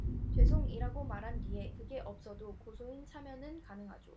죄송 이라고 말한 뒤 그게 없어도 고소인 참여는 가능하죠